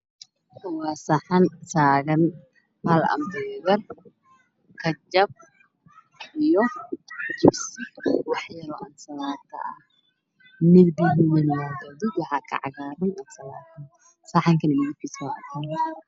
Waa saxan caddaan waxaa saaran baradho iyo khudaar guduud saxan kala kiisa waa caddaan